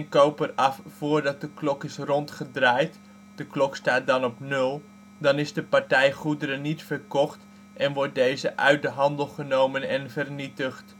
koper af voordat de klok is rondgedraaid (de klok staat dan op 0), dan is die partij goederen niet verkocht en wordt deze uit de handel genomen (en vernietigd